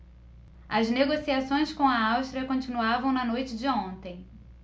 as negociações com a áustria continuavam na noite de ontem